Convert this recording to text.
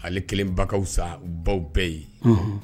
Ale kelenbagaw sa u baw bɛɛ ye